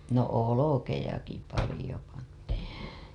no olkiakin paljon pantiin